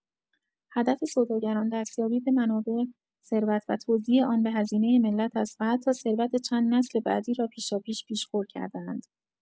هدف سوداگران، دستیابی به منابع ثروت و توزیع آن به هزینۀ ملت است و حتی ثروت چند نسل بعدی را پیشاپیش پیش‌خور کرده‌اند.